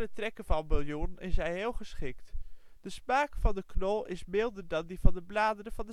trekken van bouillon is hij heel geschikt. De smaak van de knol is milder dan die van de bladeren van